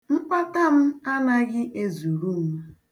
Mkpata m anaghị ezuru m.